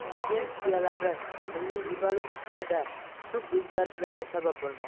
tendentsiyalari milliy jurnalistikadagi tub o'zgarishlarga sabab bo'lmoqda